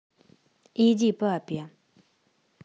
иди папе